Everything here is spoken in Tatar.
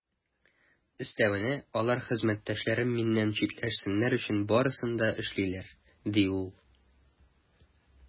Өстәвенә, алар хезмәттәшләрем миннән читләшсеннәр өчен барысын да эшлиләр, - ди ул.